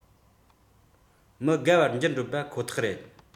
མི དགའ བར འགྱུར འགྲོ པ ཁོ ཐག རེད